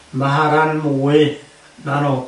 Maharan mwy na n'w